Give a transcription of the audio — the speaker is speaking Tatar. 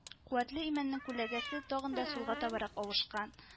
Куәтле имәннең күләгәсе тагын да сулга табарак авышкан